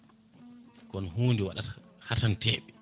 kono hunde waɗata hatanteɓe